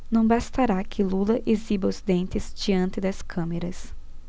não bastará que lula exiba os dentes diante das câmeras